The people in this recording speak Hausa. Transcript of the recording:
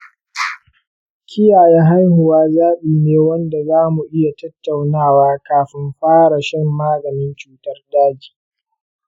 kiyaye haihuwa zabi ne wanda zamu iya tattaunawa kafun fara shan maganin cutar daji.